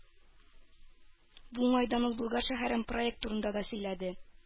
Бу уңайдан ул Болгар шәһәрен проект турында да сөйләде.